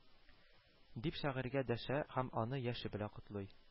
Дип шагыйрьгә дәшә һәм аны яше белән котлый